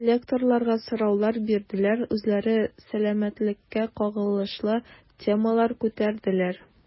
Алар лекторларга сораулар бирделәр, үзләре сәламәтлеккә кагылышлы темалар күтәрделәр.